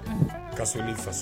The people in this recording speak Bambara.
Ka so ni fa